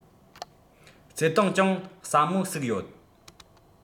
བརྩེ དུང གཅུང ཟབ མོ ཟུག ཡོད